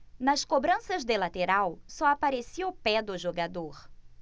nas cobranças de lateral só aparecia o pé do jogador